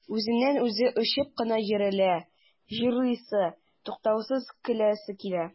Үзеннән-үзе очып кына йөрелә, җырлыйсы, туктаусыз көләсе килә.